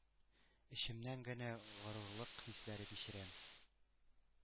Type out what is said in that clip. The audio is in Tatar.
Эчемнән генә горурлык хисләре кичерәм.